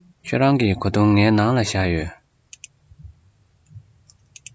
ཁྱེད རང གི གོས ཐུང ངའི ནང ལ བཞག ཡོད